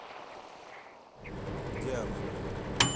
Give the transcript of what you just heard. где она